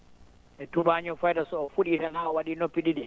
e tubaaño fayda so o fuɗii tan haa waɗii noppi ɗiɗi